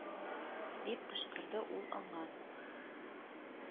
Дип кычкырды ул аңа